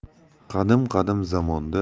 qadim qadim zamonda